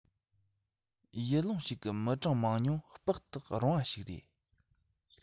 ཡུལ ལུང ཞིག གི མི གྲངས མང ཉུང དཔག ཏུ རུང བ ཞིག རེད